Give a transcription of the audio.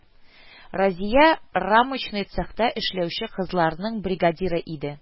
Разия рамочный цехта эшләүче кызларның бригадиры иде